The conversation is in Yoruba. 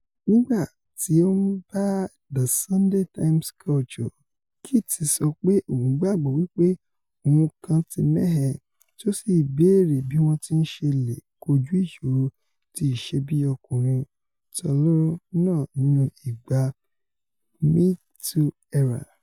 Nígbá tí ó ńbá The Sunday Times Culture, Kit sọ pé òun gbàgbọ́ wí pé 'ohun kan ti mẹ̀hẹ' tí ó sì béèrè bí wọ́n ti ṣe leè kojú ìṣòro ti ìṣebí-ọkùnrin tólóró náà nínú ìgbà #Me Too Erà.